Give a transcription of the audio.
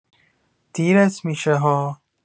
دیرت می‌شه ها